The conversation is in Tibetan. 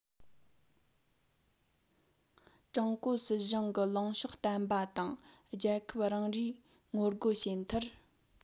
ཀྲུང གོ སྲིད གཞུང གི ལངས ཕྱོགས བརྟན པ དང རྒྱལ ཁབ འགའ རེས ངོ རྒོལ བྱས མཐར